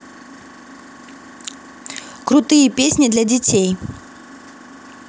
крутые песни для детей